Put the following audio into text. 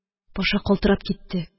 Паша калтырап китте